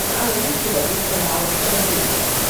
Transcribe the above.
analyse waar dit verhaal op gebaseerd is